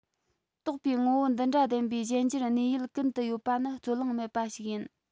དོགས པའི ངོ བོ འདི འདྲ ལྡན པའི གཞན འགྱུར གནས ཡུལ ཀུན ཏུ ཡོད པ ནི རྩོད གླེང མེད པ ཞིག ཡིན